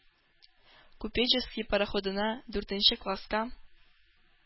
“купеческий“ пароходына, дүртенче класска